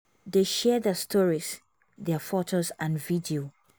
They share their stories, their photos and video.